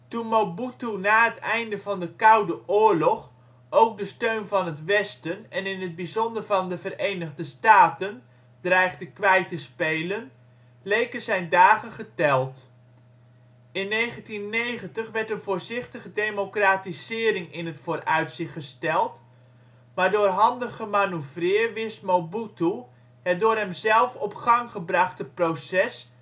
Toen Mobutu na het einde van de Koude Oorlog ook de steun van het westen, en in het bijzonder van de Verenigde Staten, dreigde kwijt te spelen, leken zijn dagen geteld. In 1990 werd een voorzichtige democratisering in het vooruitzicht gesteld, maar door handig gemanoeuvreer wist Mobutu het door hemzelf op gang gebrachte proces